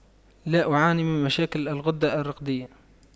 لا أعاني من مشاكل الغدة الدرقية